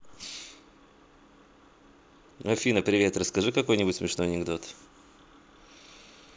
афина привет расскажи какой нибудь смешной анекдот